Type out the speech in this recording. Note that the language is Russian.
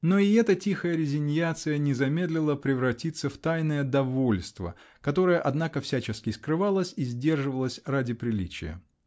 но и эта тихая резиньяция не замедлила превратиться в тайное довольство, которое, однако, всячески скрывалось и сдерживалось ради приличия.